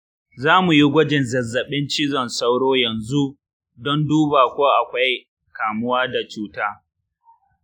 za mu yi gwajin zazzabin cizon sauro yanzu don duba ko akwai kamuwa da cuta.